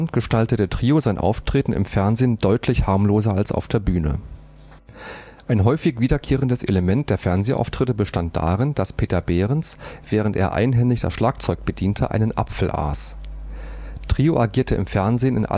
gestaltete Trio sein Auftreten im Fernsehen deutlich harmloser als auf der Bühne. Ein häufig wiederkehrendes Element der Fernsehauftritte bestand darin, dass Peter Behrens – während er einhändig das Schlagzeug bediente – einen Apfel aß. Trio agierte im Fernsehen